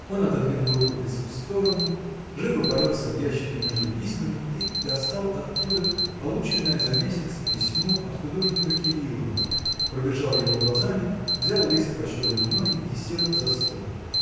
Он отодвинул рукопись в сторону, живо порылся в ящике между письмами и достал оттуда полученное за месяц письмо от художника Кирилова, пробежал его глазами, взял лист почтовой бумаги и сел за стол.